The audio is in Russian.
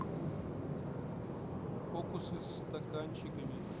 фокусы с стаканчиками